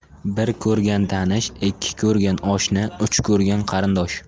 bir ko'rgan tanish ikki ko'rgan oshna uch ko'rgan qarindosh